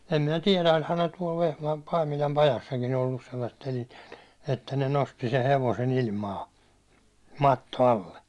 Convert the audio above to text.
en minä tiedä olihan ne tuolla - Paimilan pajassakin ollut sellaiset telineet että ne nosti sen hevosen ilmaan matto alle